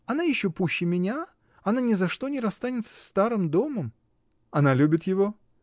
— Она еще пуще меня: она ни за что не расстанется с старым домом. — Она любит его?